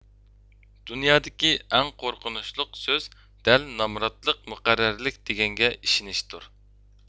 دۇنيادىكى ئەڭ قورقۇنچلۇق سۆز دەل نامراتلىق مۇقەررەرلىك دېگەنگە ئىشىنىشتۇر